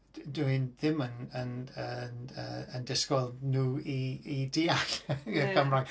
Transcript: Dwi'n ddim yn yn yn yn disgwyl nhw i i deall Cymraeg.